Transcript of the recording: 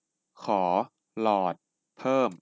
ขอหลอดเพิ่ม